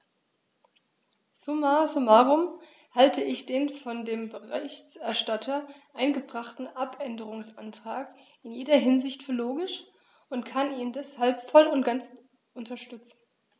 Summa summarum halte ich den von dem Berichterstatter eingebrachten Abänderungsantrag in jeder Hinsicht für logisch und kann ihn deshalb voll und ganz unterstützen.